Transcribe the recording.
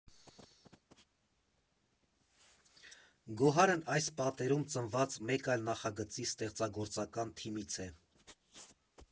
Գոհարն այս պատերում ծնված մեկ այլ նախագծի ստեղծագործական թիմից է։